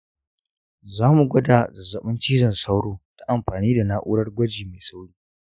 za mu gwada zazzabin cizon sauro ta amfani da na'urar gwaji mai sauri.